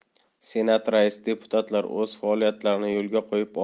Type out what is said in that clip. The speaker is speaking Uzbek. senat raisi deputatlar o'z faoliyatlarini yo'lga qo'yib